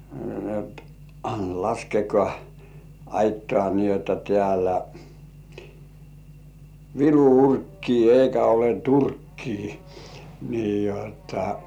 niin että - laskekaa aittaan niin jotta täällä vilu urkkii eikä ole turkkia niin jotta